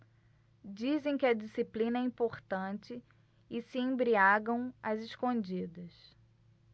dizem que a disciplina é importante e se embriagam às escondidas